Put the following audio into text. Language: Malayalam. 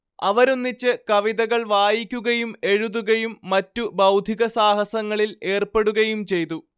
അവരൊന്നിച്ച് കവിതകൾ വായിക്കുകയും എഴുതുകയും മറ്റു ബൗദ്ധിക സാഹസങ്ങളിൽ ഏർപ്പെടുകയും ചെയ്തു